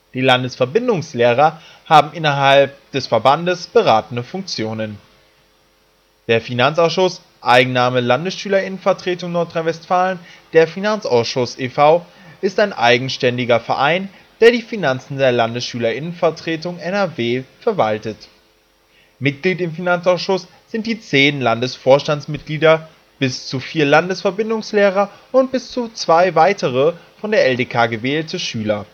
Landesverbindungslehrer haben innerhalb des Verbandes beratende Funktion. Der Finanzausschuss (Eigenname: LandesschülerInnenvertretung Nordrhein-Westfalen - Der Finanzausschuß e.V.) ist ein eigenständiger Verein, der die Finanzen der Landesschülervertretung NRW verwaltet. Mitglied im Finanzausschuss sind die 10 Landesvorstandsmitglieder, bis zu 4 Landesverbindungslehrer und bis zu 2 weitere, von der LDK gewählte, Schüler